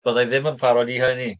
Bydda i ddim yn parod i hynny!